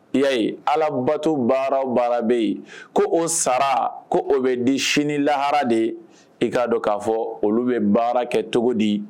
Y ya ala bato baara baara bɛ yen ko o sara ko o bɛ di sini lahara de ye i k'a dɔn k'a fɔ olu bɛ baara kɛ cogo di